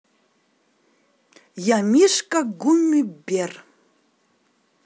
я мишка гуми бер